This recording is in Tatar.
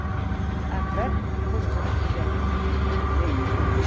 Әкбәр сызгырып җибәрә.